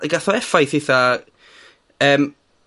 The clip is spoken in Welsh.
A ga'th o effaith eitha, yym,